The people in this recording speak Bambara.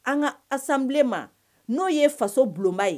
An ka assemblé ma n'o ye faso bulonba ye.